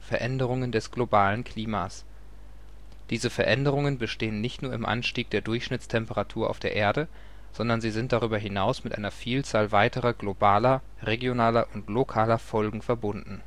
Veränderungen des globalen Klimas. Diese Veränderungen bestehen nicht nur im Anstieg der Durchschnittstemperatur auf der Erde, sondern sie sind darüber hinaus mit einer Vielzahl weiterer globaler, regionaler und lokaler Folgen verbunden